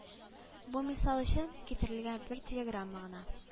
Бу мисал өчен китерелгән бер телеграмма гына